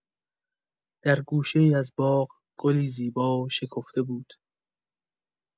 در گوشه‌ای از باغ، گلی زیبا شکفته بود.